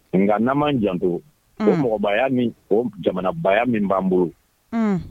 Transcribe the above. Nka n'an ma janto o mɔgɔbaya ni o jamanabaya min b'an bolo